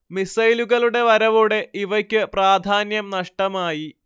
മിസൈലുകളുടെ വരവോടെ ഇവയ്ക്ക് പ്രാധാന്യം നഷ്ടമായി